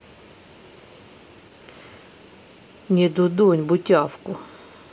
не дудонь бутявку